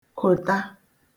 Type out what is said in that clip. kòta